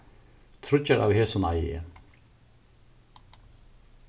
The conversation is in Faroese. tríggjar av hesum eigi eg